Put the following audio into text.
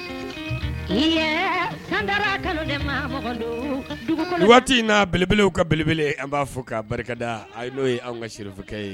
Waati in belebelew ka belebele an b'a fɔ ka barika da, ayi , n'o ye an ka Serifukɛ ye.